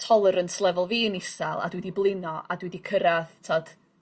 tolerance level fi'n isal a dwi 'di blino a dwi 'di cyrradd t'od